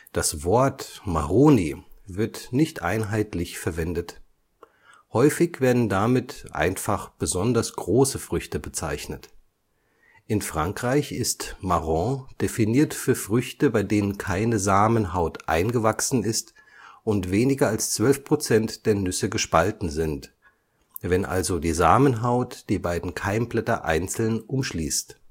Das Wort Maroni wird nicht einheitlich verwendet. Häufig werden damit einfach besonders große Früchte bezeichnet. In Frankreich ist marron definiert für Früchte, bei denen keine Samenhaut eingewachsen ist und weniger als 12 Prozent der Nüsse gespalten sind, wenn also die Samenhaut die beiden Keimblätter einzeln umschließt